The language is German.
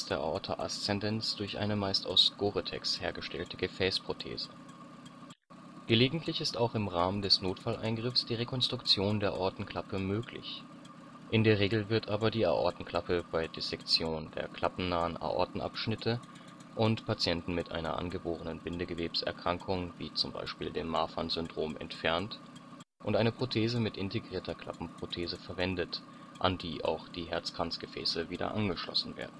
Aorta ascendens durch eine meist aus Goretex hergestellte Gefäßprothese. Gelegentlich ist auch im Rahmen des Notfalleingriffs die Rekonstruktion der Aortenklappe möglich. In der Regel wird aber die Aortenklappe bei Dissektion der klappennahen Aortenabschnitte und Patienten mit einer angeborenen Bindegewebserkrankung (z. B. Marfan-Syndrom) entfernt und eine Prothese mit integrierter Klappenprothese (klappentragendes Conduit oder Composite-Prothese) verwendet, an die auch die Herzkranzgefäße wieder „ angeschlossen “werden